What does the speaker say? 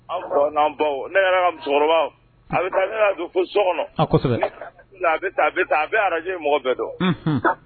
An'an baw ne musokɔrɔba a bɛ taa so kɔnɔ a bɛ taa bɛ a bɛ arajjɛ mɔgɔ bɛɛ dɔn